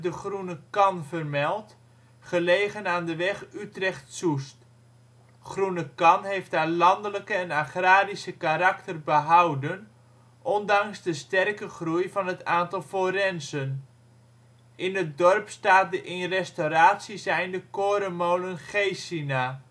Groene Kan " vermeld, gelegen aan de weg Utrecht - Soest. Groenekan heeft haar landelijke en agrarische karakter behouden, ondanks de sterke groei van het aantal forensen. In het dorp staat de in restauratie zijnde korenmolen Geesina